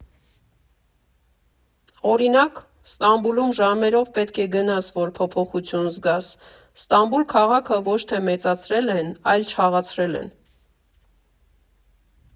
Օրինակ, Ստամբուլում ժամերով պետք է գնաս, որ փոփոխություն զգաս, Ստամբուլ քաղաքը ոչ թե մեծացրել, այլ չաղացրել են.